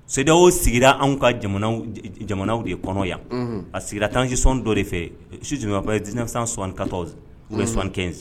Seda o sigira anw ka jamanaw de ye kɔnɔ yan a sigira tansi son dɔ de fɛ su skatɔ u bɛ skɛ insin